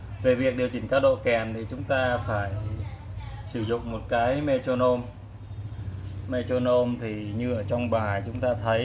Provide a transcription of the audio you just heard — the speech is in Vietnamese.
về việc điều chỉnh cao độ kèn chúng ta phải sử dụng một cái tuner tuner thì như ở trong bài